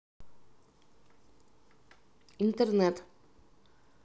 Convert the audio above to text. интернет